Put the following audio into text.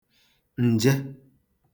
ǹje